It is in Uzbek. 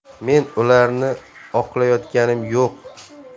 men ularni oqlayotganim yo'q